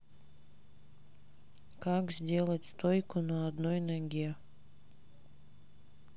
как сделать стойку на одной ноге